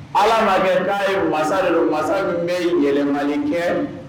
Ala ma kɛ'a ye masa de masa min bɛ yɛlɛman kɛ